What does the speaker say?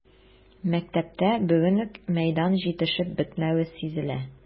Мәктәптә бүген үк мәйдан җитешеп бетмәве сизелә.